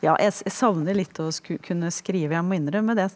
ja jeg savner litt å kunne skrive, jeg må innrømme det.